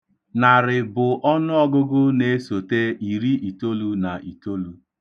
Narị bụ ọnụọgụgụ na-esote iri itolu na itolu.